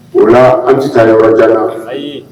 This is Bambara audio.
Ola la an tɛ taa yɔrɔ diyarayara